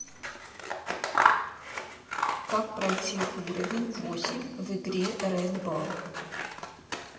как пройти уровень восемь в игре red ball